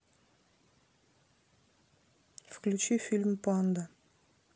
включи фильм панда